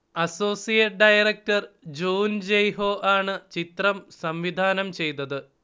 associate director ജൂൻ ജയ്ഹോ ആണ് ചിത്രം സംവിധാനം ചെയ്തത്